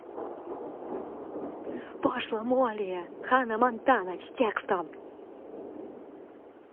пошла молли ханнамонтана с текстом